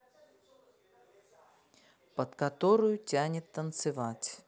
под которую тянет танцевать